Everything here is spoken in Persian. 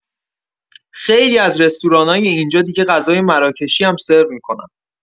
خیلی از رستورانای اینجا دیگه غذای مراکشی هم سرو می‌کنن.